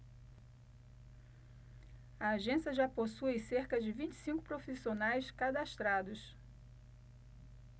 a agência já possui cerca de vinte e cinco profissionais cadastrados